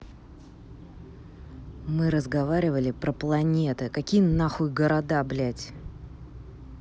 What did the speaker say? мы разговаривали про планеты какие нахуй города блять